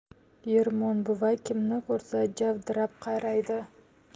ermon buva kimni ko'rsa javdirab qaraydi